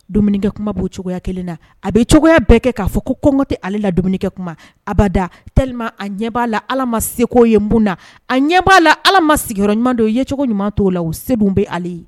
Dumkɛ kuma b'o cogoyaya kelen na a bɛ cogoyaya bɛɛ kɛ k'a fɔ ko kɔnmko tɛ ale la dumunikɛ kuma abada te a ɲɛ' la ala ma seko yeun na a ɲɛ b'a la ala ma sigiyɔrɔ ɲumanuma don yecogo ɲuman to la u se bɛ' ye